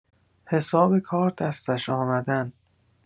حساب کار دستش آمدن